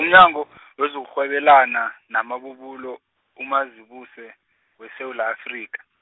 umnyango , wezokurhwebelana, namabubulo uMazibuse, weSewula Afrika.